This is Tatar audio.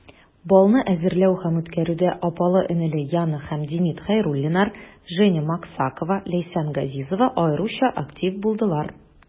Балны әзерләү һәм үткәрүдә апалы-энеле Яна һәм Демид Хәйруллиннар, Женя Максакова, Ләйсән Газизова аеруча актив булдылар.